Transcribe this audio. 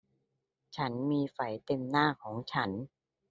ฉันมีไฝเต็มหน้าของฉัน